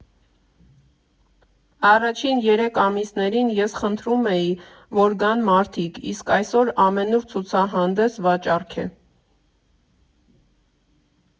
Առաջին երեք ամիսներին ես խնդրում էի, որ գան մարդիկ, իսկ այսօր ամենուր ցուցահանդես֊վաճառք է։